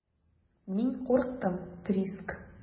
Мин курыктым, Приск.